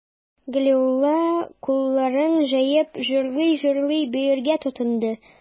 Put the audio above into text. Галиулла, кулларын җәеп, җырлый-җырлый биергә тотынды.